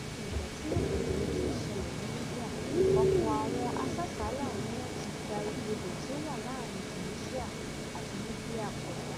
Láti ìgbà tí rògbòdìyàn ti ń ṣẹlẹ̀ ní Libya, ọ̀pọ̀ àwọn asásàálà ni wọ́n ti gba ibodè tí ó wà láàárín Tunisia àti Libya kọjá.